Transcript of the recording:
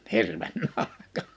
hirven nahka